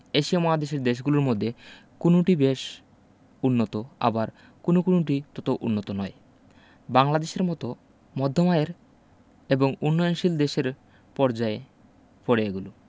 Asia মহাদেশের দেশগুলোর মধ্যে কুনুটি বেশ উন্নত আবার কুনু কুনুটি তত উন্নত নয় বাংলাদেশের মতো মধ্যম আয়ের এবং উন্নয়নশীল দেশের পর্যায়ে পড়ে এগুলো